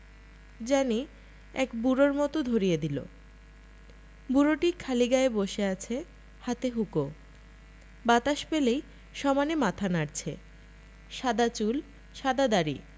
জানি এক বুড়োর মতী ধরিয়ে দিল বুড়োটি খালি গায়ে বসে আছে হাতে হুঁকো বাতাস পেলেই সমানে মাথা নাড়ছে সাদা চুল সাদা দাড়ি